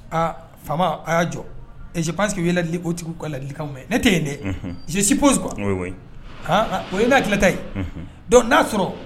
Aa fa a y'a jɔ ɛz pakili o tigi ka lalikan ne tɛ yen dɛ siposi o ye n'a tilata yen dɔnc n'a sɔrɔ